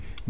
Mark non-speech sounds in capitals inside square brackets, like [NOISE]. [SMACKS LIPS]